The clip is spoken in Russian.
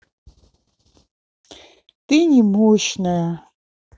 ты немощная